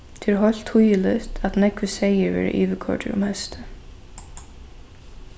tað er heilt týðiligt at nógvir seyðir verða yvirkoyrdir um heystið